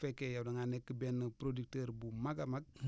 bu fekkee yow da ngaa nekk benn producteur bu mag a mag